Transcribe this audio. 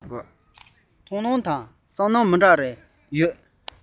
མཐོང སྣང དང བསམ སྣང མི འདྲ རེ ཡོང གི ཡོད ལ